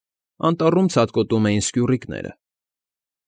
Անտառում ցատկոտում էին սկյուռիկները։